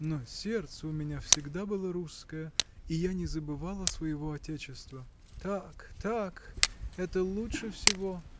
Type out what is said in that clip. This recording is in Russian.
но сердце у меня всегда было русское, и я не забывала своего отечества. -- Так, так; это лучше всего.